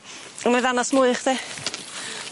A wnâi ddangos mwy i chdi.